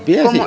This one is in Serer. bien sur